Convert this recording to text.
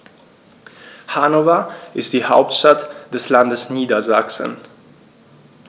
Hannover ist die Hauptstadt des Landes Niedersachsen.